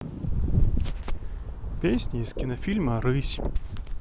песни из кинофильма рысь